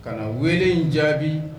Ka na wele in jaabi